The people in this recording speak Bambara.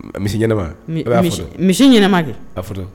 Misi ɲɛnaman i b'a fo Misi misi ɲɛnama kɛ. A foto